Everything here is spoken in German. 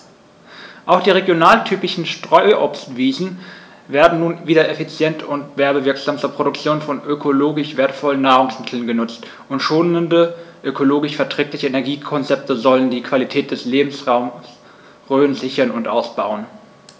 Auch die regionaltypischen Streuobstwiesen werden nun wieder effizient und werbewirksam zur Produktion von ökologisch wertvollen Nahrungsmitteln genutzt, und schonende, ökologisch verträgliche Energiekonzepte sollen die Qualität des Lebensraumes Rhön sichern und ausbauen.